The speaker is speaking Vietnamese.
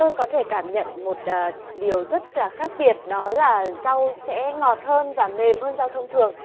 tôi có thể cảm nhận một đà điều rất là khác biệt đó là rau sẽ ngọt hơn và mềm hơn rau thông thường